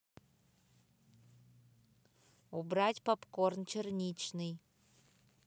убрать попкорн черничный